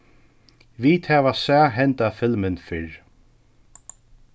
vit hava sæð henda filmin fyrr